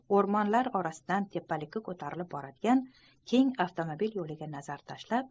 o'rmonlar orasidan tepalikka ko'tarilib boradigan keng avtomobil' yo'liga nazar tashlab